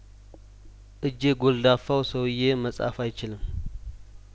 እጀ ጐልዳፋው ሰውዬ መጻፍ አይችልም